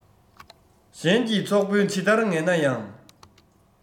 གཞན གྱི ཚོགས དཔོན ཇི ལྟར ངན ན ཡང